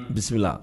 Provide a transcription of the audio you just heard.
Bisimila